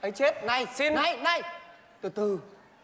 ấy chết này này này từ từ